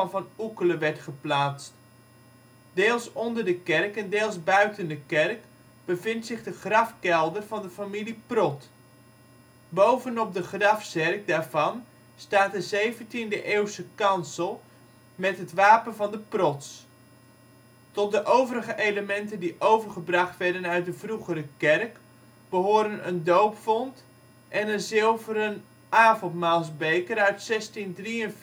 Van Oeckelen werd geplaatst. Deels onder de kerk en deels buiten de kerk bevindt zich de grafkelder van de familie Prott. Bovenop de grafzerk daarvan staat de 17e eeuwse kansel met het wapen van de Protts. Tot de overige elementen die overgebracht werden uit de vroegere kerk behoren een doopvont en een zilveren avondmaalsbeker uit 1643